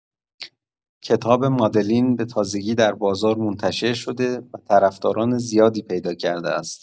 کتاب مادلین به تازگی در بازار منتشر شده و طرفداران زیادی پیدا کرده است.